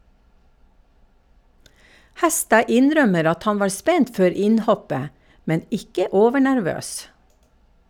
Hæstad innrømmer at han var spent før innhoppet, men ikke overnervøs.